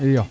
iyo